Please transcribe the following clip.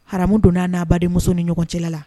Ha donna n'a'a badenmuso ni ɲɔgɔn cɛla la